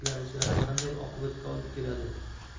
ikkilanishlari qanday oqibatga olib keladi